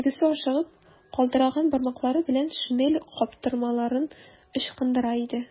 Тегесе ашыгып, калтыранган бармаклары белән шинель каптырмаларын ычкындыра иде.